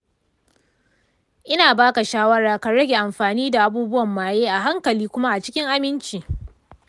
ina ba ka shawarar ka rage amfani da abubuwan maye a hankali kuma cikin aminci.